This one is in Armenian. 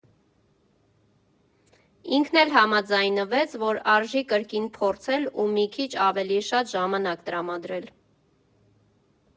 Ինքն էլ համաձայնվեց, որ արժի կրկին փորձել ու մի քիչ ավելի շատ ժամանակ տրամադրել։